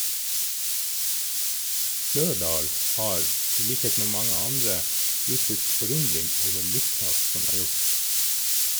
Slørdahl har, i likhet med mange andre, uttrykt forundring over mistak som er gjort.